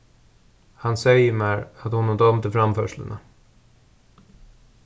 hann segði mær at honum dámdi framførsluna